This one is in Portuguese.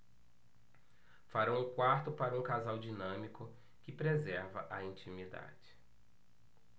farão um quarto para um casal dinâmico que preserva a intimidade